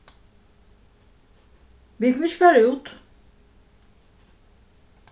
vit kunnu ikki fara út